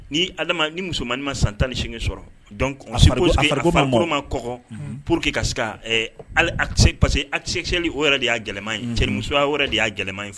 Ni ni musomanmaniin ma san tan ni sen sɔrɔma kɔ pour que ka sese parce que a tɛsesɛyɛnli o yɛrɛ de y' yɛlɛma cɛmusoya yɛrɛ de y'a yɛlɛma in fɛ